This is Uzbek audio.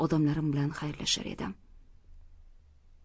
odamlarim bilan xayrlashar edim